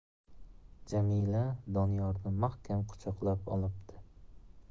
jamila doniyorni mah kam quchoqlab olibdi